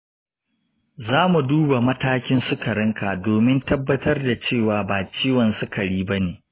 zamu duba matakin sukarinka domin tabbatar da cewa ba ciwon sukari ba ne.